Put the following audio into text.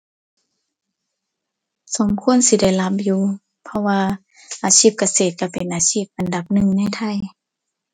สมควรสิได้รับอยู่ เพราะว่าอาชีพเกษตรก็เป็นอาชีพอันดับหนึ่งในไทย